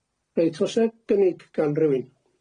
Reit, o's e gynnig gan rywun?